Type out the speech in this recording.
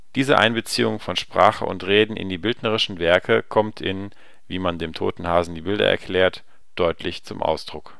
Diese Einbeziehung von Sprache und Reden in die bildnerischen Werke kommt in Wie man dem toten Hasen die Bilder erklärt deutlich zum Ausdruck